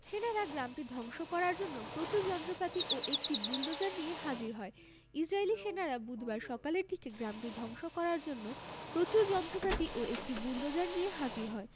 সেনারা গ্রামটি ধ্বংস করার জন্য প্রচুর যন্ত্রপাতি ও একটি বুলডোজার নিয়ে হাজির হয় ইসরাইলী সেনারা বুধবার সকালের দিকে গ্রামটি ধ্বংস করার জন্য প্রচুর যন্ত্রপাতি ও একটি বুলডোজার নিয়ে হাজির হয়